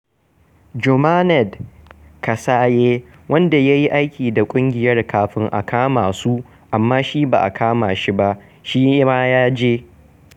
Jomaneɗ Kasaye, wanda ya yi aiki da ƙungiyar kafin a kama su (amma ba a kama shi ba) shi ma ya je.